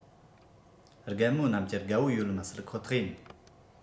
རྒད མོ རྣམས ཀྱི དགའ བོ ཡོད མི སྲིད ཁོ ཐག ཡིན